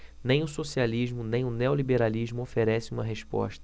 nem o socialismo nem o neoliberalismo oferecem uma resposta